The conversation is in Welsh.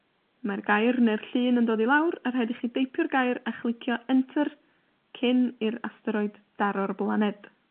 Mae'r gair neu'r llun yn dod i lawr, a rhaid i chi deipio'r gair a chlicio enter cyn i'r asteroid daro'r blaned.